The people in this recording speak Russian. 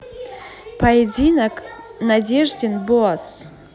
поединок надеждин боос